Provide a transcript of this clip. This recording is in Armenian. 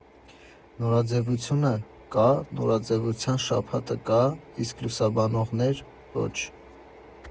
Նորաձևությունը կա, նորաձևության շաբաթը կա, իսկ լուսաբանողներ՝ ոչ…